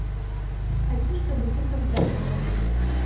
хочу чтобы ты поздоровалась